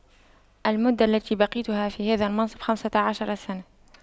المدة التي بقيتها في هذا المنصب خمسة عشر سنة